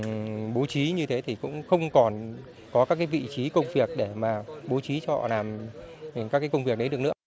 bố trí như thế thì cũng không còn có các cái vị trí công việc để mà bố trí cho họ làm các công việc đấy được nữa